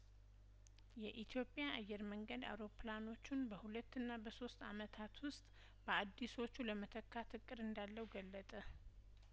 የኢትዮጵያ አየር መንገድ አውሮፕላኖቹን በሁለትና በሶስት አመታት ውስጥ በአዲሶቹ ለመተካት እቅድ እንዳለው ገለጠ